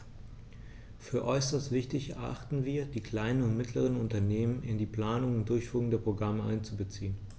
Für äußerst wichtig erachten wir, die kleinen und mittleren Unternehmen in die Planung und Durchführung der Programme einzubeziehen.